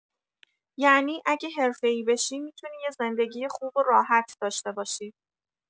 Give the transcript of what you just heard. یعنی اگه حرفه‌ای بشی، می‌تونی یه زندگی خوب و راحت داشته باشی.